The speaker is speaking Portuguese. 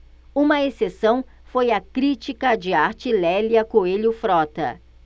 uma exceção foi a crítica de arte lélia coelho frota